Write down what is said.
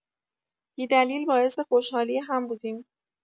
بی‌دلیل باعث خوشحالی هم بودیم.